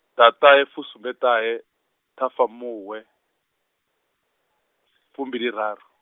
ḓaṱahefusumbe ṱahe Ṱhafamuhwe, fumbiliraru.